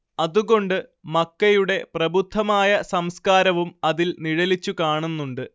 അതു കൊണ്ട് മക്കയുടെ പ്രബുദ്ധമായ സംസ്കാരവും അതിൽ നിഴലിച്ചു കാണുന്നുണ്ട്